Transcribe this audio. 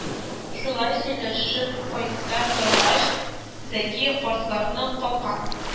Шулай сөйләшеп кайта торгач, Зәки картларның капка